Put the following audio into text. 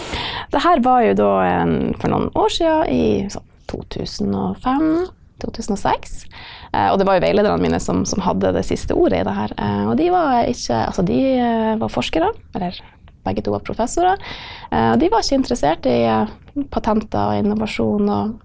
det her var jo da for noen år sia i sånn 2005 2006 og det var jo veilederne mine som som hadde det siste ordet i det her, og de var ikke altså de var forskere eller begge to var professorer, og de var ikke interessert i patenter og innovasjon og.